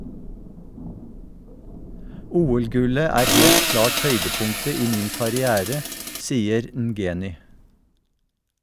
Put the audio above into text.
OL-gullet er helt klart høydepunktet i min karriere, sier Ngeny.